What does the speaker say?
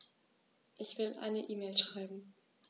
Ich will eine E-Mail schreiben.